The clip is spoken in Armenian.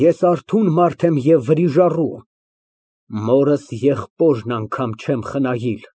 Ես արթուն մարդ եմ և վրիժառու, մորս եղբորն անգամ չեմ խնայիր։